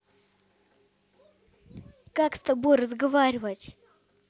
как с тобой разговаривать